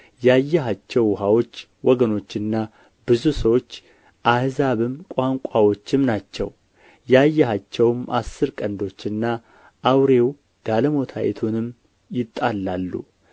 ያየሃቸው ውኃዎች ወገኖችና ብዙ ሰዎች አሕዛብም ቋንቋዎችም ናቸው ያየኃቸውም አስር ቀንዶችና አውሬው ጋለሞታይቱን ይጣላሉ